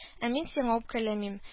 — ә мин сиңа үпкәләмим